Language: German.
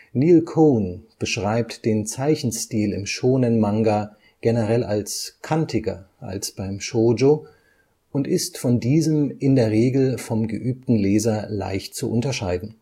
Neil Cohn beschreibt den Zeichenstil im Shōnen-Manga generell als „ kantiger “als beim Shōjo und ist von diesem in der Regel vom geübten Leser leicht zu unterscheiden